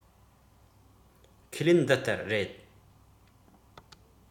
ཁས ལེན འདི ལྟར རེད